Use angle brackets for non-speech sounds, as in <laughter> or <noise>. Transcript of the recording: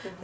<hesitation> <hesitation>